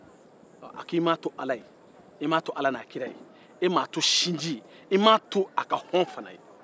a ko i m'a to ala ye i m'a to sinji ye i m'a to a ka hɔn fana ye